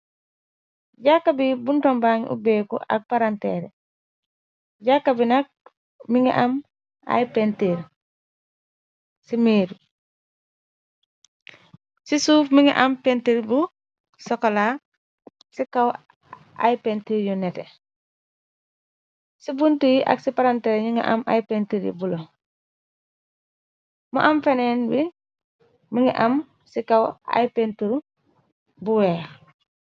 Jàkka bi buntam ba ngi ubeeku ak paranteere, jàkka bi nak mi ngi am ay pintir ci miir bi, ci suuf mi ngi am pentir bu sokola, ci kaw ay pentir yu nete, ci buntu yi ak ci paranteer yi ñu ngi am ay pentir yu bula, mu am feneen wi, mi ngi am ci kaw ay pentur bu weex.